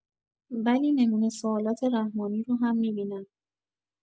ولی نمونه سوالات رحمانی رو هم می‌بینم